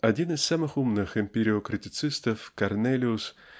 Один из самых умных эмпириокритицистов Корнелиус